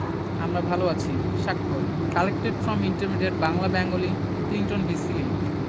আমরা ভালো আছি স্বাক্ষর collected from intermediate Bangla Bengali Clinton B Seely